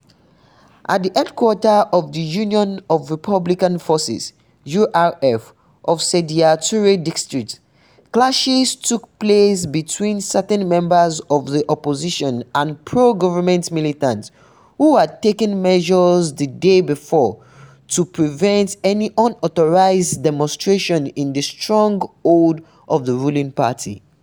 ...at the headquarter of the Union of Republican Forces (URF) of Sidya Touré district, clashes took place between certain members of the opposition and pro-government militants who had taken measures the day before to prevent any unauthorized demonstration in the stronghold of the ruling party.